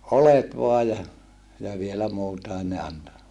oljet vain ja ja vielä muutakin ne antoi